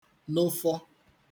nofọ